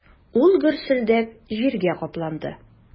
Ул гөрселдәп җиргә капланды.